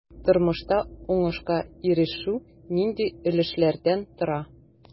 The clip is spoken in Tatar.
Тормышта уңышка ирешү нинди өлешләрдән тора?